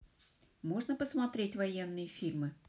можно посмотреть военные фильмы